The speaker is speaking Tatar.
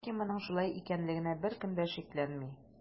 Ләкин моның шулай икәнлегенә беркем дә шикләнми.